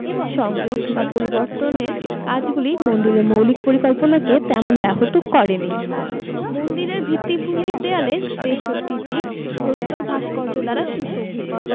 সংযোগ বা পরিবর্তনের কাজগুলি মন্দিরের মৌলিক পরিকল্পনাকে তেমন ব্যাহত করে নি মন্দিরের ভিত্তিভূমির দেয়াল ৬৩টি প্রস্তর ভাস্কর্য দ্বারা সুশোভিত